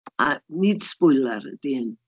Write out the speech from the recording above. A nid sbwylar ydy hyn.